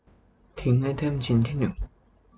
ทิ้งไอเทมชิ้นที่หนึ่ง